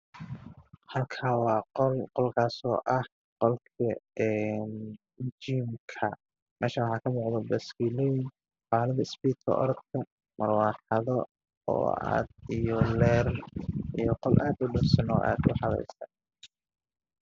Meeshaan waxaa ka muuqdo meel jiimka lagu galo waxaa yaalo qalab badan oo jiimka lagu galo